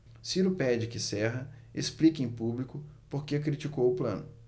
ciro pede que serra explique em público por que criticou plano